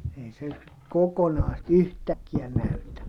ei se kokonaan sitä yhtäkkiä näytä